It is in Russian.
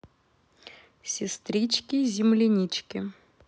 сестрички землянички